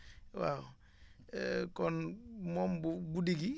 waaw kon moom bu guddi gi